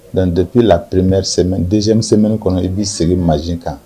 Dantep la preme dɛsɛ sɛm kɔnɔ i b bɛi segin may kan